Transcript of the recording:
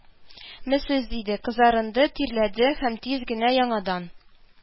Месез» диде, кызарынды, тирләде һәм тиз генә яңадан